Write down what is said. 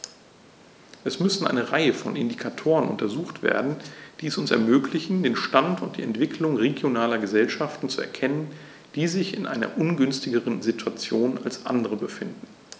Es müssen eine Reihe von Indikatoren untersucht werden, die es uns ermöglichen, den Stand und die Entwicklung regionaler Gesellschaften zu erkennen, die sich in einer ungünstigeren Situation als andere befinden.